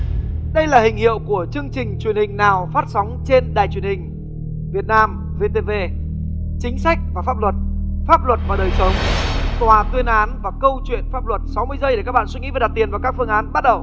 đây là hình hiệu của chương trình truyền hình nào phát sóng trên đài truyền hình việt nam vê tê vê chính sách và pháp luật pháp luật và đời sống tòa tuyên án và câu chuyện pháp luật sáu mươi giây để các bạn suy nghĩ và đặt tiền vào các phương án bắt đầu